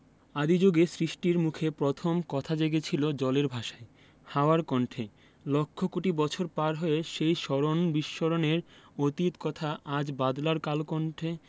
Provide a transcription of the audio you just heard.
আদি জুগে সৃষ্টির মুখে প্রথম কথা জেগেছিল জলের ভাষায় হাওয়ার কণ্ঠে লক্ষ কোটি বছর পার হয়ে সেই স্মরণ বিস্মরণের অতীত কথা আজ বাদলার কলকণ্ঠে